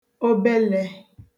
obelē